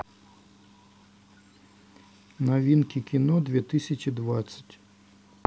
новинки кино две тысячи двадцать